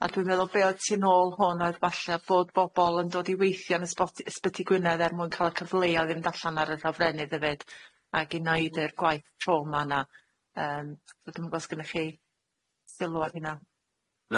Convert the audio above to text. A dwi'n meddwl be' oed ti nôl hwn oedd falle bod bobol yn dod i weithio yn y sbot- ysbyty Gwynedd er mwyn ca'l y cyfleoedd i fynd allan ar y llawfrennydd efyd ag i neud yr gwaith tro 'ma 'na yym dwi ddim yn gwbo os gynnoch chi sylwad i 'na.